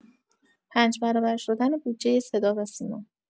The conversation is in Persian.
۵ برابر شدن بودجۀ صداوسیما